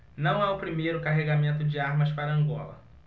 não é o primeiro carregamento de armas para angola